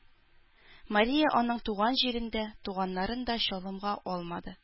Мария аның туган җирен дә, туганнарын да чалымга алмады.